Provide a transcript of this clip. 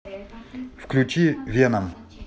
включи веном